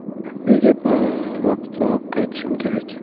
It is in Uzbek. uyga barvaqtroq qaytishim kerak